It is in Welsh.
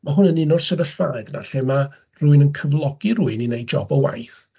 Ma' hwn yn un o'r sefyllfaoedd yna lle mae rhywun yn cyflogi rhywun i wneud job o waith.